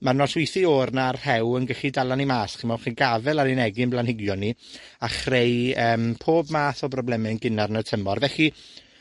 ma'r nosweithie o'r 'na a'r rhew yn gallu dala ni mas, ch'mo' , 'llu chi gafel ar 'yn egin blanhigion ni, a chreu yym pob math o brobleme'n gynnar yn y tymor. Felly,